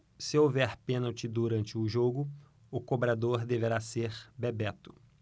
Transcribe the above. se houver pênalti durante o jogo o cobrador deverá ser bebeto